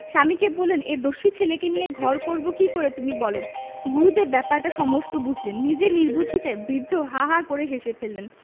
স্বামীকে বললেন এ দস্যি ছেলেকে নিয়ে ঘর করব কি করে তুমি বল গুরুদেব ব্যাপারটা সমস্ত বুঝলেন নিজের নির্বুদ্ধিতায় বৃদ্ধ হাঃ হাঃ করে হেসে ফেললেন